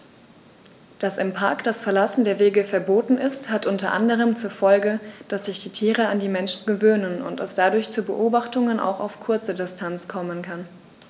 Dass im Park das Verlassen der Wege verboten ist, hat unter anderem zur Folge, dass sich die Tiere an die Menschen gewöhnen und es dadurch zu Beobachtungen auch auf kurze Distanz kommen kann.